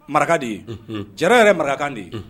Maraka de ye jara yɛrɛ marakakan de ye